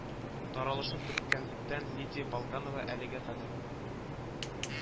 Таралышып беткәнлектән, лидия полканова әлегә кадәр